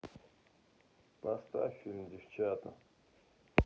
поставь фильм девчата